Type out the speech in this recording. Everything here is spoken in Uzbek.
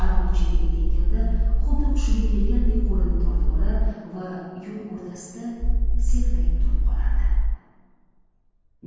arava chetiga tekkanda xuddi hushiga kelgandek qo'lini tortib olar va yo'l o'rtasida serrayib turib qolardi